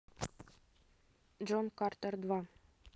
джон картер два